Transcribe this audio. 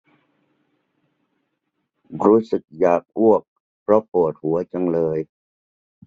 รู้สึกอยากอ้วกเพราะปวดหัวจังเลย